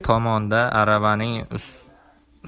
tomonda aravaning ustidan